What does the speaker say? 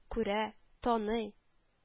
Күрә, таный